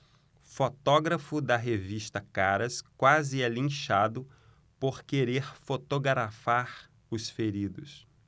fotógrafo da revista caras quase é linchado por querer fotografar os feridos